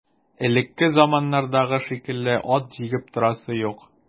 Элекке заманнардагы шикелле ат җигеп торасы юк.